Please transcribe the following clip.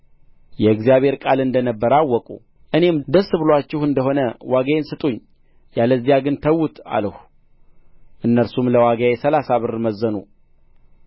የእግዚአብሔር ቃል እንደ ነበረ አወቁ እኔም ደስ ብሎአችሁ እንደ ሆነ ዋጋዬን ስጡኝ ያለዚያ ግን ተዉት አልሁ እነርሱም ለዋጋዬ ሠላሳ ብር መዘኑ